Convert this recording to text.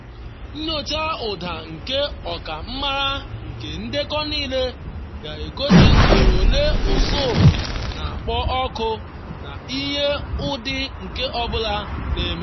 Nyocha ụda nke ọkammara nke ndekọ niile ga-egosi ugboro ole ụsụ n’akpọ oku na ihe ụdị nke ọ bụla na-eme.